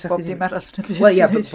Bob dim arall yn y byd 'swn i'n deud